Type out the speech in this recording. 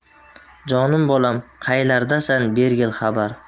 jonim bolam qaylardasan bergil xabar